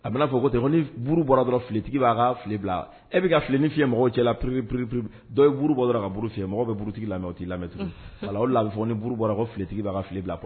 A bɛnaa fɔ ko ten ni buru bɔra dɔrɔn filetigi b'a kale bila e bɛ kalein ni fiyɛyamɔgɔ cɛ ppip p-pbi dɔwuru bɔ dɔrɔn kauru fiye mɔgɔ bɛ burutigi la o t'i lamɛn o la fɔ niuru bɔra ko fililetigiba' ka filile bila